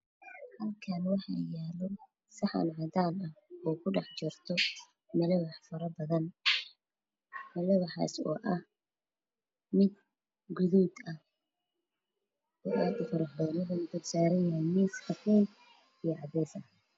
Halkan ku dhax jirto malawax faro badan guduud miis cadays ah